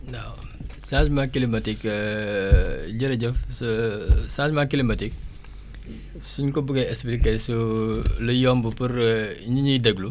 waaw changement climatique jërëjëf changement climatique suñ ko buggee expliquer su lu yomb pour ñi ñuy déglu